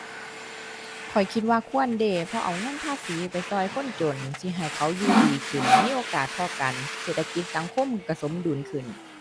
ข้อยคิดว่าควรเดะ เพราะเอาเงินภาษีไปช่วยคนจนสิให้เขาอยู่ดีขึ้น มีโอกาสเท่ากัน เศรษฐกิจสังคมช่วยสมดุลขึ้น